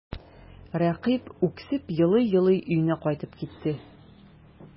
Рәкыйп үксеп елый-елый өенә кайтып китте.